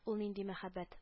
Ул нинди мәһабәт